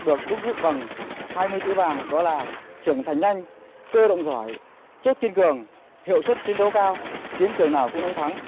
được đúc rút bằng hai mươi chữ vàng đó là trưởng thành nhanh cơ động giỏi chết kiên cường hiệu suất chiến đấu cao chiến trường nào cũng đánh thắng